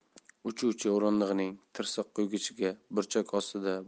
uchuvchi o'rindig'ining tirsakqo'ygichida burchak ostida